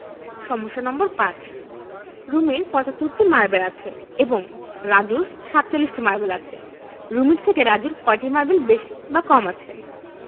সমস্যা নম্বর ৫ রুমির ৭৫টি মারবেল আছে এবং রাজুর ৪৭টি মারবেল আছে রুমির থেকে রাজুর কয়টি মারবেল বেশি বা কম আছে